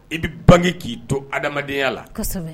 I bɛ bange k'i to hadamadenya la